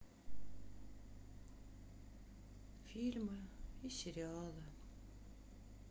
фильмы и сериалы